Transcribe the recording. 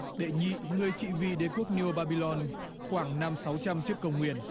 đệ nhị người trị vì đế quốc niu ba bi lon khoảng năm sáu trăm trước công nguyên